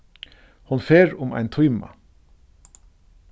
hon fer um ein tíma